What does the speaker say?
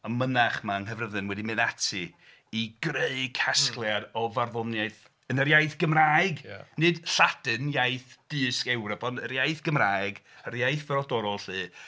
Y mynach 'ma yng Nghaerfyrddin wedi mynd ati i greu casgliad o farddoniaeth yn yr iaith Gymraeg, nid Lladin, iaith dysg Ewrop ond yr iaith Gymraeg, yr iaith frodorol 'lly.